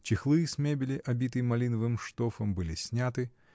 Чехлы с мебели, обитой малиновым штофом, были сняты